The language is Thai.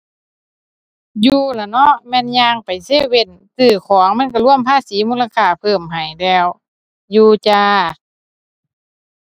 อยู่ล่ะเนาะ แม่นย่างไปเซเว่น ซื้อของมันก็รวมภาษีมูลค่าเพิ่มให้แล้ว อยู่จ้า